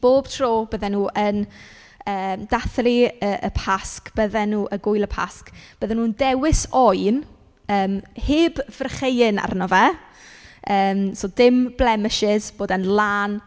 Bob tro bydden nhw yn yy dathlu y y Pasg bydden nhw... gwyl y Pasg, bydden nhw'n dewis oen yym heb frycheuyn arno fe yym so dim blemishes bod e'n lân.